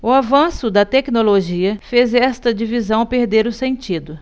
o avanço da tecnologia fez esta divisão perder o sentido